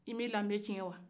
i m' i danbe tiɲɛ wa